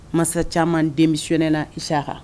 Masa caman denmusoy na s aka